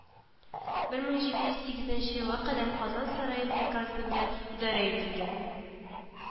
Бер мең җиде йөз сигезенче елга кадәр казан сарае приказы белән идарә ителгән